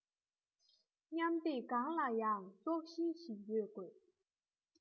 མཉམ སྡེབ གང ལ ཡང སྲོག ཤིང ཞིག ཡོད དགོས